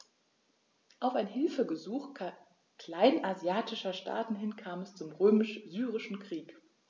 Auf ein Hilfegesuch kleinasiatischer Staaten hin kam es zum Römisch-Syrischen Krieg.